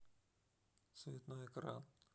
цветной экран